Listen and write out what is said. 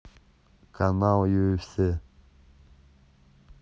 канал юфс